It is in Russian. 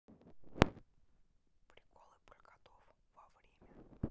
приколы про котов во время